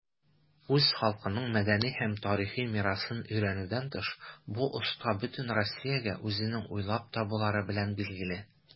Үз халкының мәдәни һәм тарихи мирасын өйрәнүдән тыш, бу оста бөтен Россиягә үзенең уйлап табулары белән билгеле.